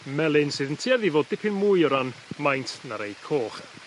melyn sydd yn tueddi fod dipyn mwy o ran maint na rei coch